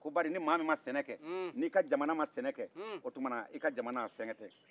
ko bari ni maa min ma sɛnɛkɛ n'i ka jamana ma sɛnɛkɛ o tuma na i ka jamana fɛn tɛ